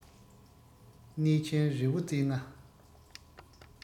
གནས ཆེན རི བོ རྩེ ལྔ